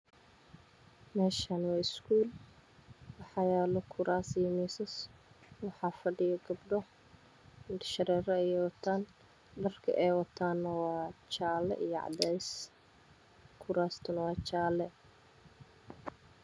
Meeshaan waa iskuul waxaa yaalo kuraas iyo miisas waxaa fadhiyo gabdho indho shareero ayay wataan. Dharka ay wataana waa jaale iyo cadeys. Kuraastuna waa jaale.